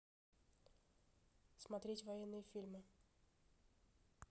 смотреть военные фильмы